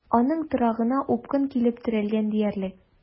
Аның торагына упкын килеп терәлгән диярлек.